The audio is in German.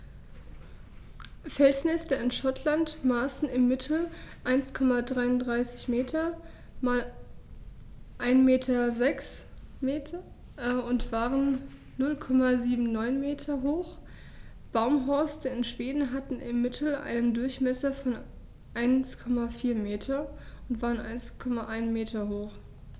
Felsnester in Schottland maßen im Mittel 1,33 m x 1,06 m und waren 0,79 m hoch, Baumhorste in Schweden hatten im Mittel einen Durchmesser von 1,4 m und waren 1,1 m hoch.